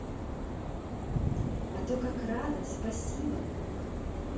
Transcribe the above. а то как рада спасибо